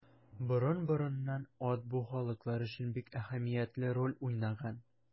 Борын-борыннан ат бу халыклар өчен бик әһәмиятле роль уйнаган.